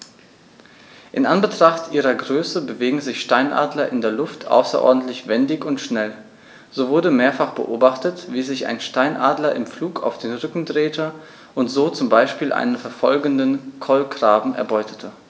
In Anbetracht ihrer Größe bewegen sich Steinadler in der Luft außerordentlich wendig und schnell, so wurde mehrfach beobachtet, wie sich ein Steinadler im Flug auf den Rücken drehte und so zum Beispiel einen verfolgenden Kolkraben erbeutete.